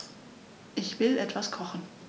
Ich will etwas kochen.